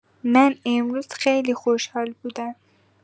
من امروز خیلی خوشحال بودم